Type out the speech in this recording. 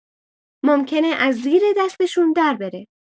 ممکنه از زیر دستشون دربره.